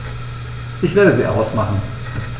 Ich werde sie ausmachen.